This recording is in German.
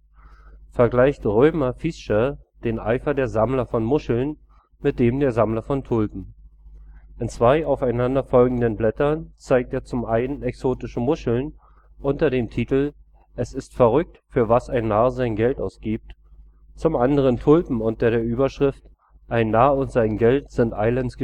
vergleicht Roemer Visscher den Eifer der Sammler von Muscheln mit dem der Sammler von Tulpen. In zwei aufeinander folgenden Blättern zeigt er zum einen exotische Muscheln unter dem Titel Tis misselijck waer een geck zijn gelt aen leijt („ Es ist verrückt, für was ein Narr sein Geld ausgibt “), zum anderen Tulpen unter der Überschrift Een dwaes en zijn gelt zijn haest ghescheijden („ Ein Narr und sein Geld sind eilends geschieden